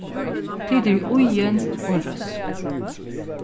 tit eru íðin og røsk